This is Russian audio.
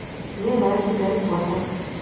мне нравится гарри поттер